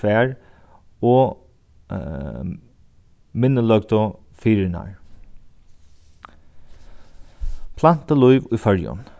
hvar og firðirnar plantulív í føroyum